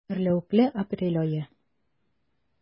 Гөрләвекле апрель ае.